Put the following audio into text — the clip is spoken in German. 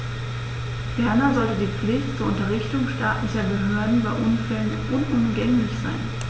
Ferner sollte die Pflicht zur Unterrichtung staatlicher Behörden bei Unfällen unumgänglich sein.